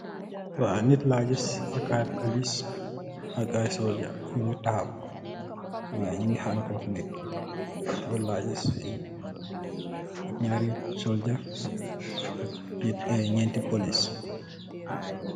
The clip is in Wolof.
Waaw, nit laa gis, ak ay poliis, ak ay solja. Ñu ngi tahaw haadkof nit. Lool laa gis. Ak ñaari soldja, ak ñieti poliis.